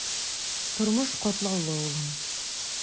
Тормыш катлаулы, улым.